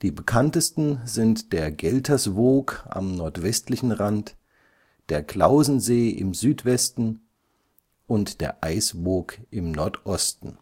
bekanntesten sind der Gelterswoog am nordwestlichen Rand, der Clausensee im Südwesten und der Eiswoog im Nordosten